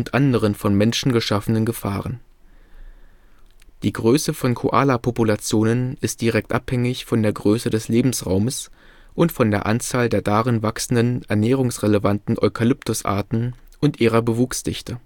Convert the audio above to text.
anderen von Menschen geschaffenen Gefahren. Die Größe von Koalapopulationen ist direkt abhängig von der Größe des Lebensraumes und von der Anzahl der darin wachsenden ernährungsrelevanten Eukalyptusarten und ihrer Bewuchsdichte